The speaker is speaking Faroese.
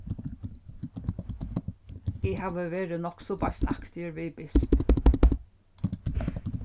eg havi verið nokk so beistaktigur við bisp